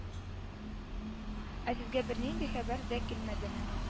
Ә сезгә бернинди хәбәр дә килмәдеме